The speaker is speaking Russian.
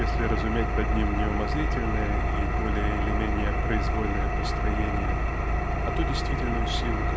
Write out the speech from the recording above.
если разуметь под ним не умозрительные и более или менее произвольные построения а ту действительную силу